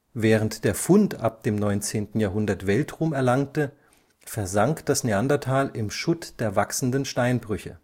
Während der Fund ab dem 19. Jahrhundert Weltruhm erlangte, versank das Neandertal im Schutt der wachsenden Steinbrüche